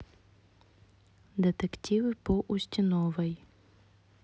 детективы по устиновой